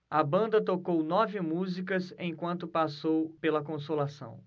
a banda tocou nove músicas enquanto passou pela consolação